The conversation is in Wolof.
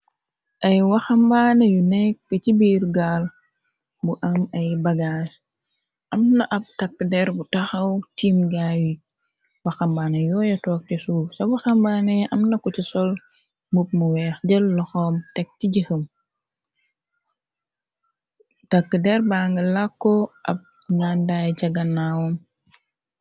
Ay waxambaane yu nekk ci biir gaal bu am ay bagaag amna ab takk der bu taxaw tiim gaayu waxambaane yooye toog te suuf sa waxambaanee amna ko ci sol mub mu weex jël laxoom tekk ci jëxam takk der bang làkkoo ab ngandaay cagannaawam.